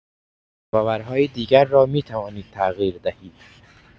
باورهای دیگر را می‌توانید تغییر دهید.